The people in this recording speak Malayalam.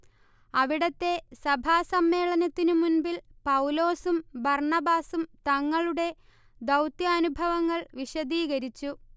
അവിടത്തെ സഭാസമ്മേളനത്തിന് മുൻപിൽ പൗലോസും ബർണ്ണബാസും തങ്ങളുടെ ദൗത്യാനുഭവങ്ങൾ വിശദീകരിച്ചു